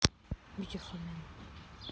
митя фомин